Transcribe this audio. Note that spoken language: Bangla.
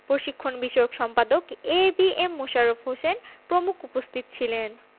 প্রশিক্ষণ বিষয়ক সম্পাদক A B M Mosharraf Hossain প্রমুখ উপস্থিত ছিলেন